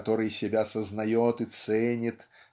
который себя сознает и ценит